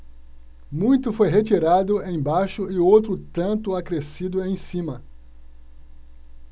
muito foi retirado embaixo e outro tanto acrescido em cima